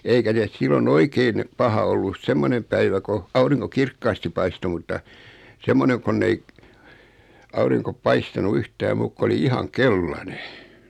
eikä ne silloin oikein paha ollut semmoinen päivä kun aurinko kirkkaasti paistoi mutta semmoinen kun ei aurinko paistanut yhtään muuta kuin oli ihan keltainen